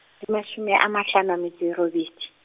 di mashome a mahlano a metso e robedi.